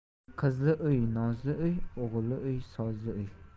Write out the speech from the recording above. qizli uy nozli uy o'g'illi uy sozli uy